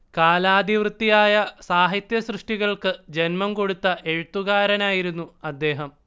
കാലാതിവർത്തിയായ സാഹിത്യ സൃഷ്ടികൾക്ക് ജന്മം കൊടുത്ത എഴുത്തുകാരനായിരുന്നു അദ്ദേഹം